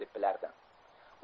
deb bilardi